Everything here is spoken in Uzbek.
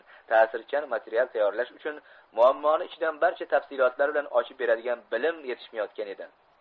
ta'sirchan material tayyorlash uchun muammoni ichidan barcha tafsilotlari bilan ochib beradigan bilim yetishmayotgan edi